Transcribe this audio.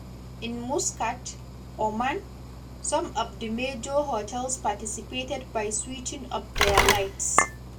In Muscat, Oman, some of the major hotels participated by switching off their lights.